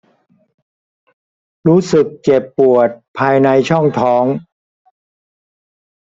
รู้สึกเจ็บปวดภายในช่องท้อง